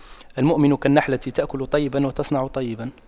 المؤمن كالنحلة تأكل طيبا وتضع طيبا